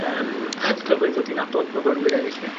Yym a d- cyfle i ddod i nabod myfyrwyr eryll 'de?